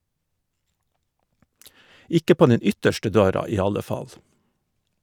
Ikke på den ytterste døra i alle fall.